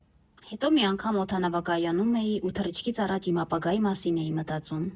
Հետո մի անգամ օդանավակայանում էի ու թռիչքից առաջ իմ ապագայի մասին էի մտածում։